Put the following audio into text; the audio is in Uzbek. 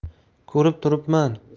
ko'rib turibman